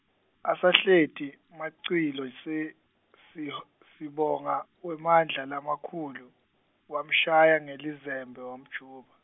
Asahleti, Macilose, siho-, sibonga, wemandla lamakhulu, wamshaya ngelizembe wamjuba.